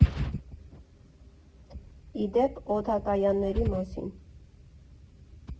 Ի դեպ, օդակայանների մասին։